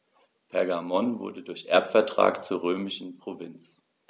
Pergamon wurde durch Erbvertrag zur römischen Provinz.